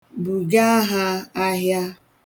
Bugaa ha ahịa.